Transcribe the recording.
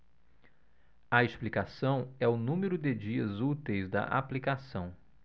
a explicação é o número de dias úteis da aplicação